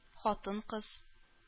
Хатын-кыз